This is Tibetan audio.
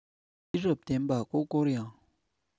ཤེས རབ ལྡན པ མགོ བསྐོར ཡང